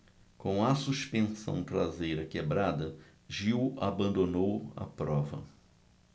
com a suspensão traseira quebrada gil abandonou a prova